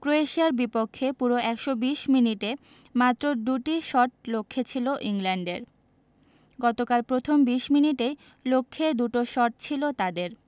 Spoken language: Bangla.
ক্রোয়েশিয়ার বিপক্ষে পুরো ১২০ মিনিটে মাত্র দুটি শট লক্ষ্যে ছিল ইংল্যান্ডের গতকাল প্রথম ২০ মিনিটেই লক্ষ্যে দুটো শট ছিল তাদের